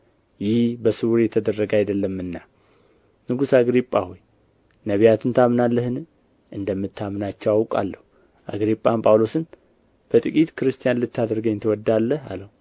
ይህ በስውር የተደረገ አይደለምና ንጉሥ አግሪጳ ሆይ ነቢያትን ታምናለህን እንድታምናቸው አውቃለሁ አግሪጳም ጳውሎስን በጥቂት ክርስቲያን ልታደርገኝ ትወዳለህ አለው